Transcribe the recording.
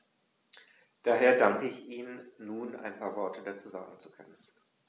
Daher danke ich Ihnen, nun ein paar Worte dazu sagen zu können.